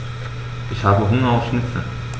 Ich habe Hunger auf Schnitzel.